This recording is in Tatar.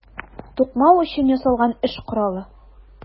Тукмау өчен ясалган эш коралы.